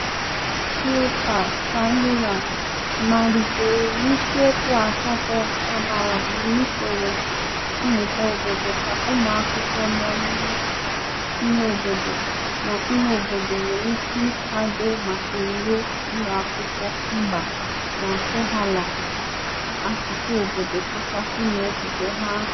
Usoro mmụta Shilpa Sayura malitere n'isiokwu asatọ dabara n'usoro mmụta obodo ka ụmụakwụkwọ nọ n'ime ime obodo na imeobodo nwee ike ịkwado maka ule ụlọakwụkwọ mba na Sinhala, asụsụ obodo kachasị n'obodo ahụ.